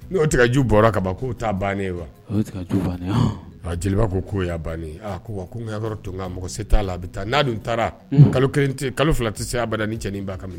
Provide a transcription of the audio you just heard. N'o tigɛ ju bɔra ka ba k'o ta bannen ye wa. Jeliba ko k'o ya bannen. Aa! wa ko ŋaɲakɔrɔtonkan ko mɔgɔ se t'a la a bɛ taa. N'a taara ko kalo fila tɛ se abada ni cɛnnin ba ka.